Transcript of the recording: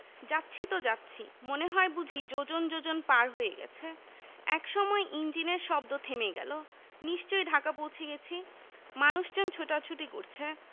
যাচ্ছি তো যাচ্ছি মনে হয় বুঝি যোজন যোজন পার হয়ে গেছে একসময় ইঞ্জিনের শব্দ থেমে গেলো নিশ্চয়ই ঢাকা পৌঁছে গেছি মানুষজন ছোটাছুটি করছে